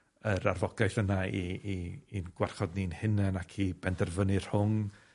yr arfogaeth yna i i i'n gwarchod ni'n hunan ac i benderfynu rhwng